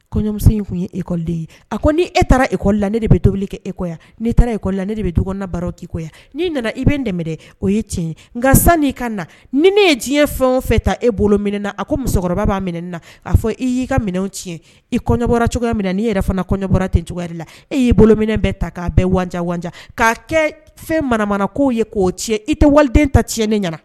Kɔɲɔmuso in tun ye ekɔli ye a ko n' e taara ekɔ la ne de bɛ don kɛ ekɔya nei taara ekɔli la ne de bɛ dɔgɔnna baro'kɔ n'i nana i bɛ n dɛmɛ dɛ o ye tiɲɛ nka sanii ka na ni ne ye diɲɛ fɛn o fɛ ta e bolo mina na a ko musokɔrɔbakɔrɔba b'a minɛ na k'a fɔ i y'i ka minɛnw tiɲɛ i kɔbɔ cogoya min na n'i yɛrɛ fana kɔɲɔ bɔra tɛ cogoya la e y'i bolo min bɛ ta k'a bɛ wa k'a kɛ fɛn maramana k'o ye k'o tiɲɛ i tɛ waliden ta tiɲɛ ne ɲɛna